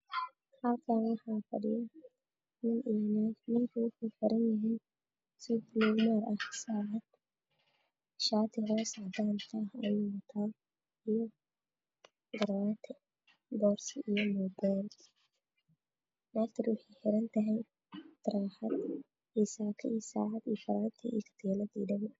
Fadhiga nin xiran yahay shaati cadaan boorso mobile xiranyahay shaati okiyalo